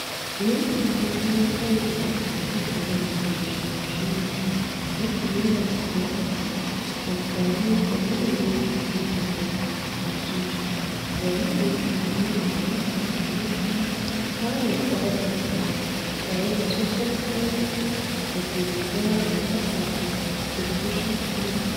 "Yankin tattalin arziki a kan Iran da Rasha shi ne, mafi yawa ko ƙasa, amfanuwa da maye gurbin man fetur," in ji shi, yayin da yake magana da Rasha a matsayin "tarin tsabar gari" tare da tattalin arziki da ke dogara da ƙafafun ɓurbushin mai.